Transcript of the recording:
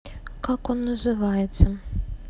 как он называется